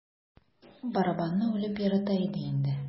Барабанны үлеп ярата иде инде.